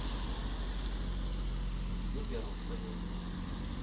а тебе пена встанет